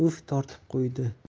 uf tortib qo'ydi